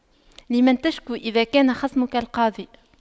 لمن تشكو إذا كان خصمك القاضي